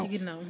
ci ginnaaw